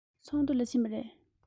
ཚོགས འདུ ལ ཕྱིན པ རེད